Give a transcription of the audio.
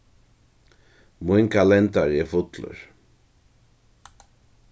mín kalendari er fullur